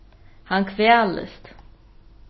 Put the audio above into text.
hann kvalist